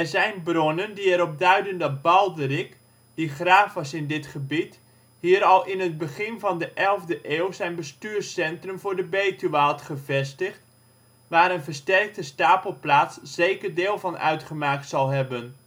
zijn bronnen die erop duiden dat Balderik, die graaf was in dit gebied, hier al in het begin van de 11e eeuw zijn bestuurscentrum voor de Betuwe had gevestigd, waar een (versterkte) stapelplaats zeker deel van uitgemaakt zal hebben